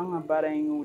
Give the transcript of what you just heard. An ka baara ye y'o